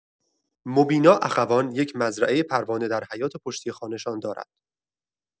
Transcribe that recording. مبینا اخوان، یک مزرعه پروانه در حیاط پشتی خانه‌شان دارد.